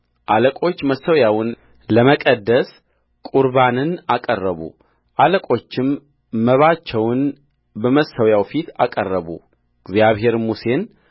አለቆቹ መሠዊያውን ለመቀደስ ቍርባንን አቀረቡ አለቆችም መባቸውን በመሠዊያው ፊት አቀረቡእግዚአብሔርም ሙሴን